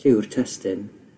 lliw'r testun,